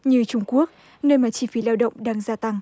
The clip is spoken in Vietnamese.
như trung quốc nơi mà chi phí lao động đang gia tăng